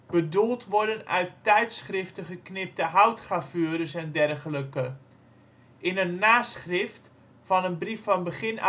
Bedoeld worden uit tijdschriften geknipte houtgravures en dergelijke. In een naschrift van brief W.5 van begin augustus